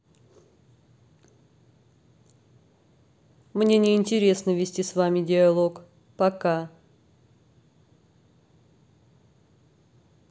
мне не интересно вести с вами диалог пока